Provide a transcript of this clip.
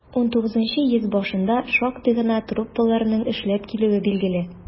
XIX йөз башында шактый гына труппаларның эшләп килүе билгеле.